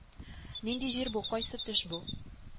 Нинди җир бу кайсы төш бу